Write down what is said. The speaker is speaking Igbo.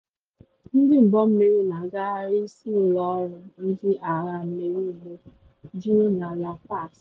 Ndị ụgbọ mmiri na agagharị isi ụlọ ọrụ ndị agha mmiri ụgbọ juru na La Paz.